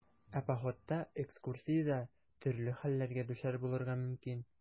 Ә походта, экскурсиядә төрле хәлләргә дучар булырга мөмкин.